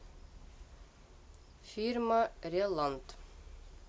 фирма релант